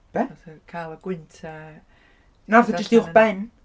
Be?... Fatha, cael y gwynt a... Na fatha jyst uwchben!